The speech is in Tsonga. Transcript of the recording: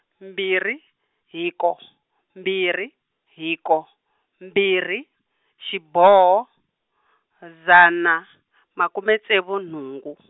mbirhi hiko mbirhi hiko mbirhi xiboho , dzana, makume ntsevu nhungu.